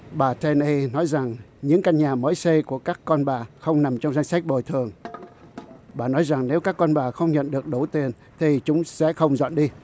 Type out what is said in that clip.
bà tên hây hay nói rằng những căn nhà mới xây của các con bà không nằm trong danh sách bồi thường bà nói rằng nếu các con bà không nhận được đủ tiền thì chúng sẽ không dọn đi